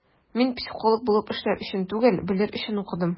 Мин психолог булып эшләр өчен түгел, белер өчен укыдым.